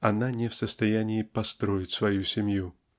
она не в состоянии построить свою семью.